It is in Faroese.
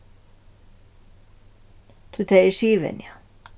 tí tað er siðvenja